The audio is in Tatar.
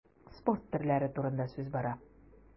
Спорт төрләре турында сүз бара.